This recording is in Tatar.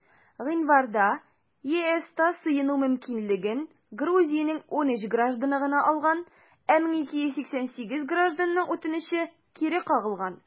Гыйнварда ЕСта сыену мөмкинлеген Грузиянең 13 гражданы гына алган, ә 1288 гражданның үтенече кире кагылган.